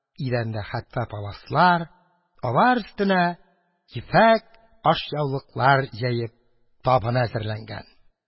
Идәндә хәтфә паласлар, алар өстенә ефәк ашъяулыклар җәеп табын әзерләнгән.